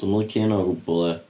Dwi'm yn licio hwnna o gwbl, ia.